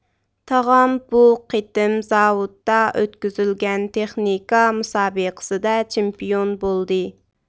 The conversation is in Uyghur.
تاغام بۇ قېتىم زاۋۇتتا ئۆتكۈزۈلگەن تېخنىكا مۇسابىقىسىدە چېمپىيون بولدى